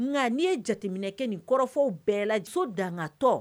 Nka n'i ye jateminɛkɛ nin kɔrɔfɔw bɛɛlaso dangatɔ